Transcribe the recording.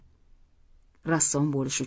rassom bo'lish